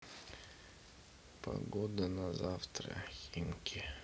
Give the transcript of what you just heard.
погода на завтра химки